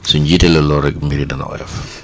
suñ jiitalee loolu rek mbir yi dana oyof